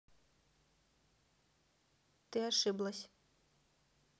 ты ошиблась